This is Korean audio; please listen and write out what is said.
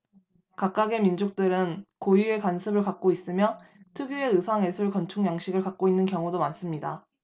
각각의 민족들은 고유의 관습을 갖고 있으며 특유의 의상 예술 건축 양식을 갖고 있는 경우도 많습니다